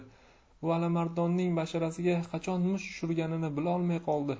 u alimardonning basharasiga qachon musht tushirganini bilolmay qoldi